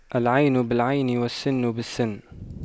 العين بالعين والسن بالسن